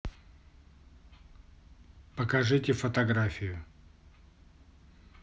покажите фотографию